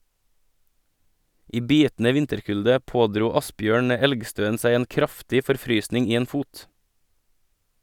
I bitende vinterkulde pådro Asbjørn Elgstøen seg en kraftig forfrysning i en fot.